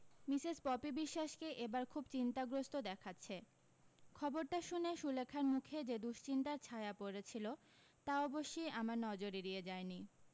Mrs Popy বিশ্বাসকে এবার খুব চিন্তাগ্রস্ত দেখাচ্ছে খবরটা শুনে সুলেখার মুখে যে দুশ্চিন্তার ছায়া পড়েছিল তা অবশ্যি আমার নজর এড়িয়ে যায়নি